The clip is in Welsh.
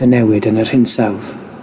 y newid yn yr hinsawdd.